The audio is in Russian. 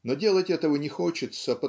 но делать этого не хочется